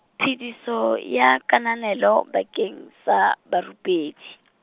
phediso, ya kananelo, bakeng sa barupedi.